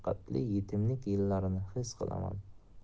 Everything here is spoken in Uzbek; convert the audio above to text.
mashaqqatli yetimlik yillarini xis qilaman